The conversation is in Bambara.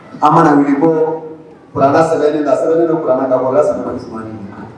A mana wuli bɔuranran sɛbɛn la sɛ don kuranran